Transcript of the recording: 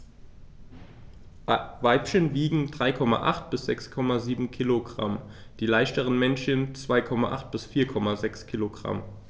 Weibchen wiegen 3,8 bis 6,7 kg, die leichteren Männchen 2,8 bis 4,6 kg.